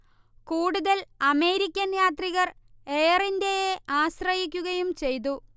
കൂടുതൽ അമേരിക്കൻ യാത്രികർ എയർ ഇന്ത്യയെ ആശ്രയിക്കുകയും ചെയതു